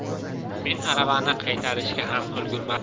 men aravani qaytarishga ham ulgurmadim